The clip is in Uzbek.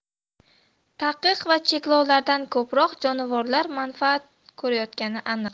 taqiq va cheklovlardan ko'proq jonivorlar manfaat ko'rayotgani aniq